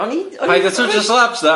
O'n i'n... 'Paid a twtsiad slabs na!'